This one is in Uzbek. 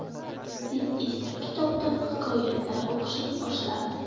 deb eski kitobdan hikoyatlar o'qishni boshlardi